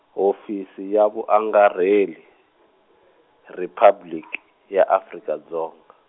Hofisi ya Vuangarheli , Riphabliki ya Afrika Dzonga.